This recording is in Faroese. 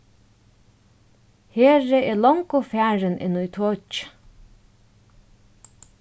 heri er longu farin inn í tokið